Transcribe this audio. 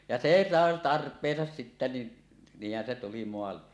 ja se sai tarpeensa sitten niin niinhän se tuli maalle